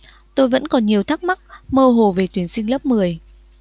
tôi vẫn còn nhiều thắc mắc mơ hồ về tuyển sinh lớp mười